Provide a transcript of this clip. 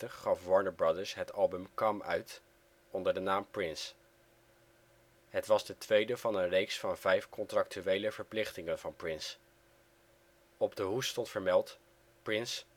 gaf Warner Brothers het album Come uit, onder de naam Prince. Het was de tweede van een reeks van vijf contractuele verplichtingen van Prince. Op de hoes stond vermeld " Prince